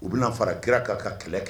U bɛna fara kira kan ka kɛlɛ kɛ